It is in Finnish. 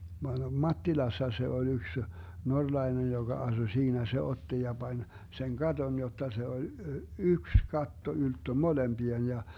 Mattilassa se oli yksi norjalainen joka asui siinä se otti ja pani sen katon jotta se oli yksi katto ylttö molempien ja